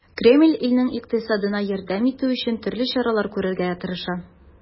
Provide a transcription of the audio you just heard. Кремль илнең икътисадына ярдәм итү өчен төрле чаралар күрергә тырыша.